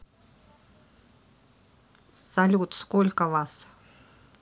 салют сколько вас